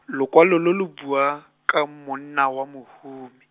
lokwalo lo lo bua, ka monna wa mohumi.